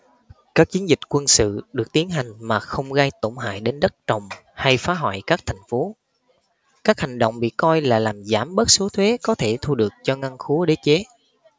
các chiến dịch quân sự được tiến hành mà không gây tổn hại đến đất trồng hay phá hoại các thành phố các hành động bị coi là làm giảm bớt số thuế có thể thu được cho ngân khố đế chế